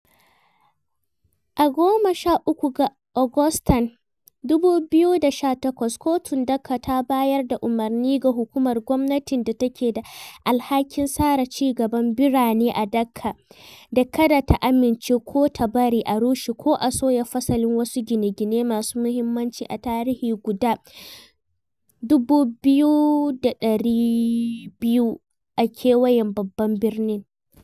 A 13 ga Agustan 2018, kotun Dhaka ta bayar da umarni ga hukumar gwamnati da take da alhakin tsara cigaban birane a Dhaka da kada ta amince ko ta bari a rushe ko a sauya fasalin wasu gine-gine masu muhimmanci a tarihi guda 2,200 a kewayen babban birnin.